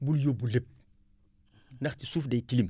bu yóbbu lépp ndax ci suuf day tilim